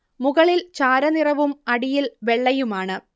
മുകളിൽ ചാര നിറവും അടിയിൽ വെള്ളയുമാണ്